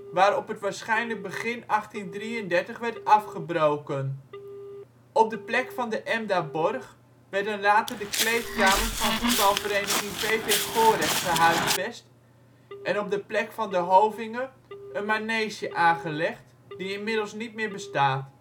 waarop het waarschijnlijk begin 1833 werd afgebroken. Op de plek van de Emdaborg werden later de kleedkamers van voetbalvereniging VV Gorecht gehuisvest en op de plek van de hovinge een manege aangelegd, die inmiddels niet meer bestaat